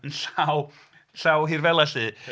..Yn llaw... llaw hir fel'a 'lly.